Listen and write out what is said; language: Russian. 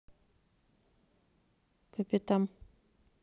по пятам